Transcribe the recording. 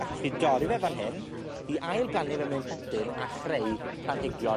allwch chi dorri fe fan hyn, 'i ail-blannu fe mewn potyn a chreu planhigion